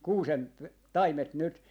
kuusen taimet nyt